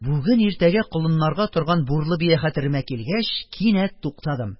Бүген, иртәгә колынларга торган бурлы бия хәтеремә килгәч, кинәт туктадым: